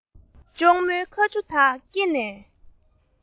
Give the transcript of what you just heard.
གཅུང མོའི ཁ ཆུ དག སྐེ ནས